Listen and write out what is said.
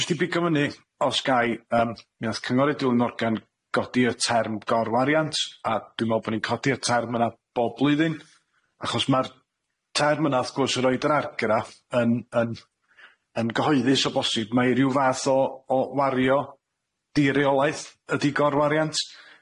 Jyst i bigo fyny os gai yym mi nath cynghorydd Dilwyn Morgan godi y term gorwariant, a dwi'n me'wl bo' ni'n codi'r term yna bob blwyddyn achos ma'r term yna wrth gwrs yn roid yr argraff yn yn yn gyhoeddus o bosib mae ryw fath o o wario di-reolaeth ydi gorwariant.